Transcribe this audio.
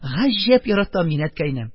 Гаҗәп яратам мин әткәйне!